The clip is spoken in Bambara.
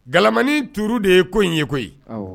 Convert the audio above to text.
Gamani tuuru de ye ko in ye koyi ye